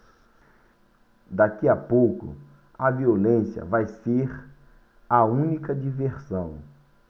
daqui a pouco a violência vai ser a única diversão